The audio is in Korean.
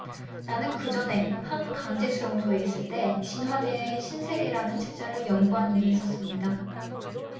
나는 그전에 한 강제 수용소에 있을 때 진화 대 신세계 라는 책자를 연구한 일이 있었습니다